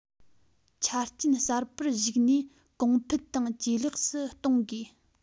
ཆ རྐྱེན གསར པར གཞིགས ནས གོང འཕེལ དང ཇེ ལེགས སུ གཏོང དགོས